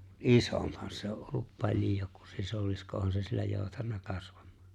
mutta isompihan se on ollut paljon kuin sisilisko onhan se siellä joutanut kasvamaan